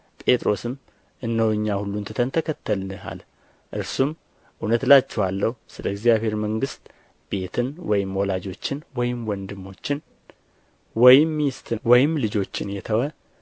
ጴጥሮስም እነሆ እኛ ሁሉን ትተን ተከተልንህ አለ እርሱም እውነት እላችኋለሁ ስለ እግዚአብሔር መንግሥት ቤትን ወይም ወላጆችን ወይም ወንድሞችን ወይም ሚስትን ወይም ልጆችን የተወ